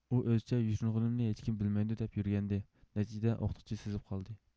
ئۇ ئۆزىچە يوشۇرغىنىمنى ھېچكىم بىلمەيدۇ دەپ يۈرگەنىدى نەتىجىدە ئوقۇتقۇچى سېزىپ قالدى